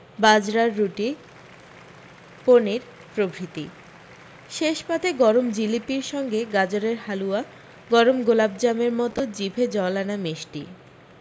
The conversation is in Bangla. বাজরার রুটি পনির প্রভৃতি শেষ পাতে গরম জিলিপির সঙ্গে গাজরের হালুয়া গরম গোলাপজামের মতো জিভে জল আনা মিষ্টি